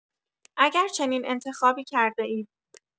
اگر چنین انتخابی کرده‌اید